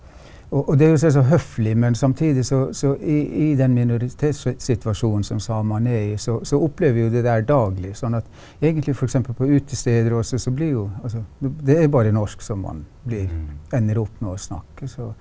og og det er jo selvsagt høflig, men samtidig så så i i den minoritetssituasjonen som samene er i så så opplever vi jo det der daglig sånn at egentlig f.eks. på utesteder og også så blir jo altså det er bare norsk som man blir ender opp med å snakke så.